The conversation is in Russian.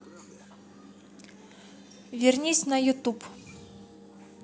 вернись на ютуб